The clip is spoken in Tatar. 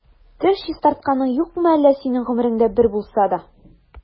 Теш чистартканың юкмы әллә синең гомереңдә бер булса да?